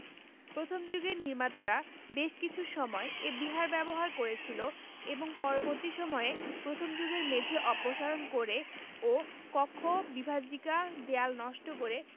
প্রথম যুগের নির্মাতারা বেশ কিছু সময় এ বিহার ব্যবহার করেছিল এবং পরবর্তী সময়ে প্রথম যুগের মেঝে অপসারণ করে ও কক্ষ বিভাজিকা দেয়াল নষ্ট করে